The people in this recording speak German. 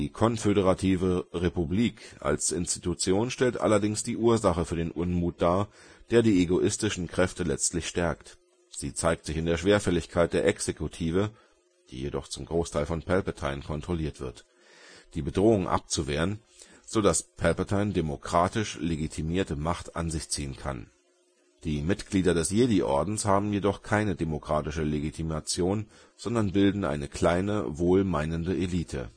konföderative Republik als Institution stellt allerdings die Ursache für den Unmut dar, der die egoistischen Kräfte letztlich stärkt. Sie zeigt sich in der Schwerfälligkeit der Exekutive (die jedoch zum Großteil von Palpatine kontrolliert wird), die Bedrohung abzuwehren, sodass Palpatine demokratisch legitimierte Macht an sich ziehen kann. Die Mitglieder des Jedi-Ordens haben jedoch keine demokratische Legitimation, sondern bilden eine kleine wohlmeinende Elite